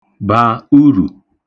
ḃà urù